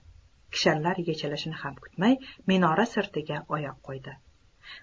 kishanlar yechilishini ham kutmay minora sirtiga oyoq qo'ydi